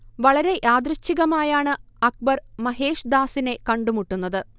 വളരെ യാദൃച്ഛികമായാണ് അക്ബർ മഹേശ് ദാസിനെ കണ്ടുമുട്ടുന്നത്